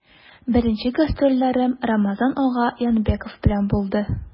Беренче гастрольләрем Рамазан ага Янбәков белән булды.